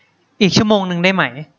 อีกชั่วโมงนึงได้ไหม